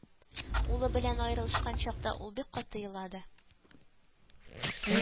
Улы белән аерылышкан чакта ул бик каты елады